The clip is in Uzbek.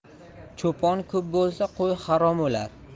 cho'pon ko'p bo'lsa qo'y harom o'lar